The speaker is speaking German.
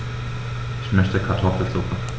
Ich möchte Kartoffelsuppe.